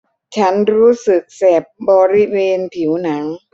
ฉันรู้สึกแสบบริเวณผิวหนัง